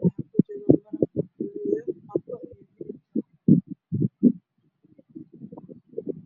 ayaa meesha yaalo